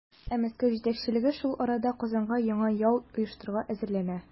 Ә Мәскәү җитәкчелеге шул арада Казанга яңа яу оештырырга әзерләнә.